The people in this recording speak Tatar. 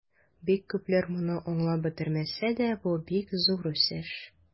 Бик күпләр моны аңлап бетермәсә дә, бу бик зур үсеш.